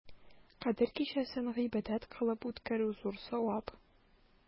Кадер кичәсен гыйбадәт кылып үткәрү зур савап.